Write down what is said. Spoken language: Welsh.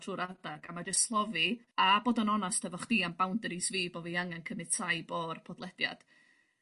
trw'r adag a ma' jys slofi a bod yn onast efo chdi am boundaries fi bo fi angen caniatau bo'r podlediad